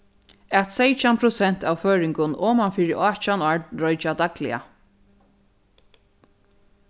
at seytjan prosent av føroyingum oman fyri átjan ár roykja dagliga